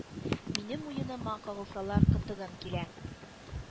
— минем муеныма кагылсалар, кытыгым килә,